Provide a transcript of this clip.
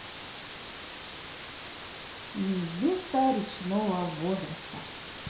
невеста речного возраста